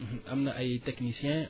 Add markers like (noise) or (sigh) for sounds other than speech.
(hesitation) (hesitation) am na ay techniciens